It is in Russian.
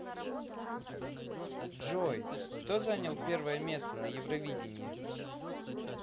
джой кто занял первое место на евровидении